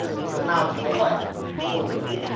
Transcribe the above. chuyện nào chỉ có vậy hồi tưởng tiếp